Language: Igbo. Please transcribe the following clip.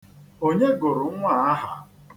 Onye gụrụ nnwa a aha?